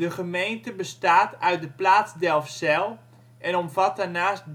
gemeente bestaat uit de plaats Delfzijl en omvat daarnaast